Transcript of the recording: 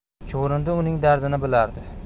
chuvrindi uning dardini bilardi